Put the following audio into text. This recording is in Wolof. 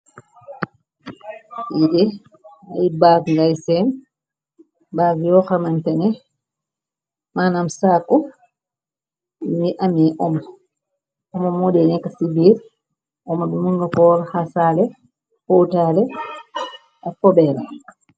Yite ay bagg ngay seem baag yoo xamantene manam sakku ni amee am oma mode nekk ci biir oma bi mu nga poor xasaale potaale ak pobera.